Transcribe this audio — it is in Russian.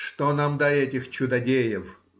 Что нам до этих чудодеев?